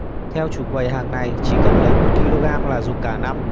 theo chủ quầy hàng này chỉ cần lấy một ki lô gam là dùng cả năm